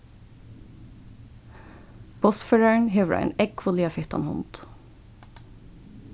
bussførarin hevur ein ógvuliga fittan hund